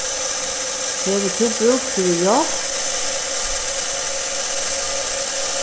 hevur tú brúk fyri hjálp